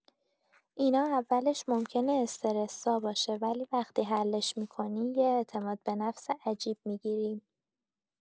اینا اولش ممکنه استرس‌زا باشه، ولی وقتی حلش می‌کنی، یه اعتمادبه‌نفس عجیب می‌گیری.